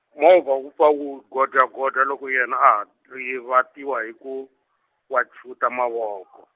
movha wu pfa wu godya godya loko yena a ha rivatiwa hi ku, wachuta mavoko.